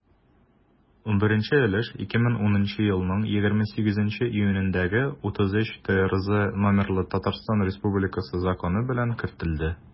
11 өлеш 2010 елның 28 июнендәге 33-трз номерлы татарстан республикасы законы белән кертелде.